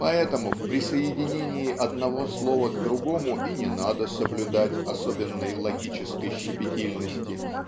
поэтому в присоединении одного слова к другому и не надо соблюдать особенной логической щепетильности